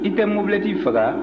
i tɛ mobilɛti faga